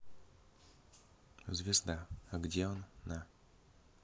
звезда а где он на